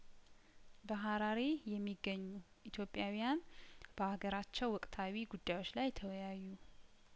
በሀራሬ የሚገኙ ኢትዮጵያዊያን በአገራቸው ወቅታዊ ጉዳዮች ላይ ተወያዩ